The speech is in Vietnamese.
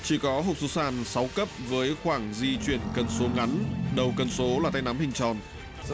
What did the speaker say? chỉ có hộp số sàn sáu cấp với khoảng di chuyển cần số ngắn đâu cần số là tay nắm hình tròn